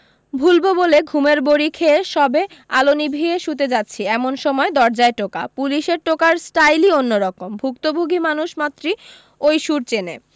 ভুলবো বলে ঘুমের বাড়ি খেয়ে সবে আলো নিভিয়ে শুতে যাচ্ছি এমন সময় দরজায় টোকা পুলিশের টোকার স্টাইলই অন্যরকম ভুক্তভোগী মানুষ মাত্রি ওই সুর চেনে